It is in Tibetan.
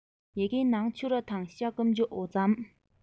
ཡི གེའི ནང ཕྱུར ར དང ཤ སྐམ འོ ཕྱེ